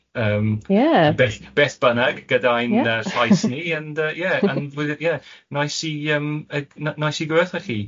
yym ie... Beth bynnag gyda ain yy llais ni ond yy ie ond fydd ie nais i yym yy ne- nais i gyfathre chi.